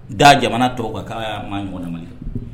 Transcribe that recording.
Da jamana tɔgɔ kan ko ma ɲɔgɔnma